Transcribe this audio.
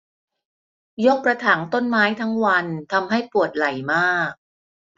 ยกกระถางต้นไม้ทั้งวันทำให้ปวดไหล่มาก